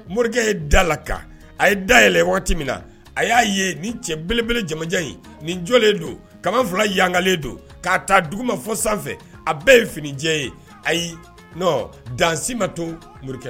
Morikɛ ye da la kan, a ye da yɛlɛ waati min na, a y'a ye ni cɛbelebele jamanja in ni jɔlen don, kama fila yangalen don ka ta duguma fɔ sanfɛ a bɛɛ ye finijɛ ye, ayi non dan si ma to morikɛ ye.